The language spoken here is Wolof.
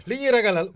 li ñiy ragalal